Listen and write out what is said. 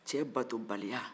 cɛ bato baliya